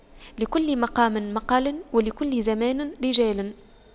لكل مقام مقال ولكل زمان رجال